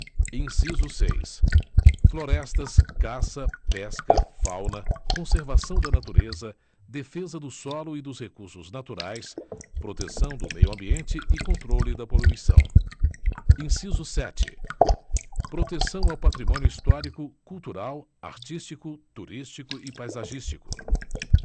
inciso seis florestas caça pesca fauna conservação da natureza defesa do solo e dos recursos naturais proteção do meio ambiente e controle da poluição inciso sete proteção ao patrimônio histórico cultural artístico turístico e paisagístico